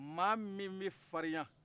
maa min bɛ farinya